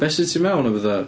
Beth sydd tu mewn a pethau?